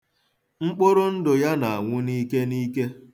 Mkpụrụndụ ya na-anwụ n'ike n'ike.